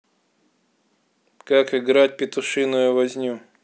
как играть петушиную возню